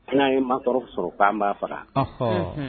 N'a ye Makɔrrɔ sɔrɔ k'an b' faga!